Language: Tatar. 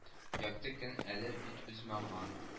Якты көн әле бит узмаган